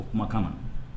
O kumakan na